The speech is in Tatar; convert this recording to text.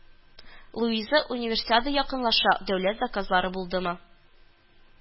Луиза, Универсиада якынлаша, дәүләт заказлары булдымы